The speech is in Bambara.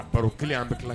A baroro kelen an bɛ tila